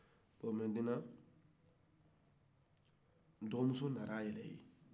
bon maintenan dɔgɔmuso nana a yɛrɛ ye